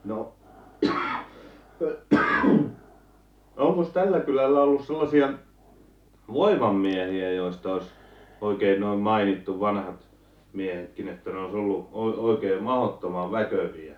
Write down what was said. no onkos tällä kylällä ollut sellaisia voimamiehiä joista olisi oikein noin mainittu vanhat miehetkin että ne olisi ollut - oikein mahdottoman väkeviä